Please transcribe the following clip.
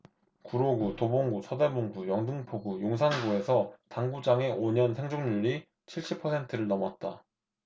구로구 도봉구 서대문구 영등포구 용산구에서 당구장의 오 년 생존율이 칠십 퍼센트를 넘었다